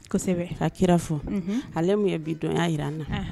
Kosɛbɛ ka kira fɔ alemu ye bi dɔnya jira an na